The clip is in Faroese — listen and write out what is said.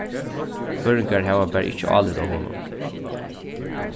føroyingar hava bara ikki álit á honum